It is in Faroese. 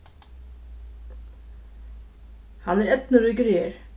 hann er eydnuríkur her